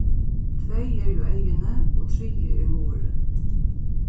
tvey eru eyguni og triði er muðurin